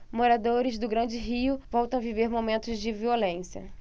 moradores do grande rio voltam a viver momentos de violência